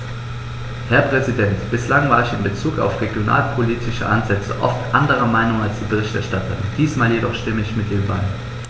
Herr Präsident, bislang war ich in Bezug auf regionalpolitische Ansätze oft anderer Meinung als die Berichterstatterin, diesmal jedoch stimme ich mit ihr überein.